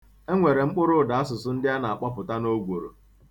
E nwere mkpụrụụdasụsụ ndị a na-akpọpụta n'ogworo.